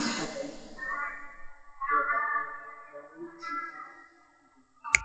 Meeshaan waxaa ku yaalla guri qurux badan